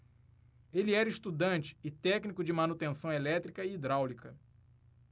ele era estudante e técnico de manutenção elétrica e hidráulica